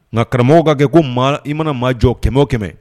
Nka karamɔgɔw ka kɛ ko maa i mana maa jɔ kɛmɛ kɛmɛ